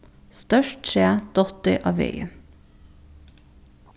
stórt træ dottið á vegin